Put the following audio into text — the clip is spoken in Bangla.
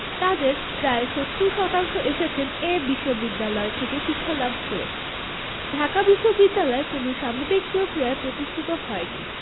তাঁদের প্রায় ৭০ শতাংশ এসেছেন এ বিশ্ববিদ্যালয় থেকে শিক্ষালাভ করে ঢাকা বিশ্ববিদ্যালয় কোনো স্বাভাবিক প্রক্রিয়ায় প্রতিষ্ঠিত হয়নি